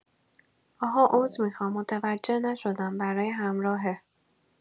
آها عذر میخوام متوجه نشدم برای همراهه